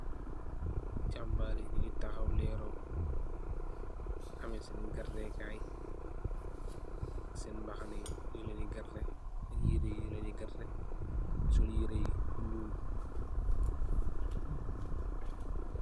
Jambari ñyugi taxaw lero am seni garde kai ak sen mbaxana yu len di garde ak yere yu len di garde sol yere yu nuul.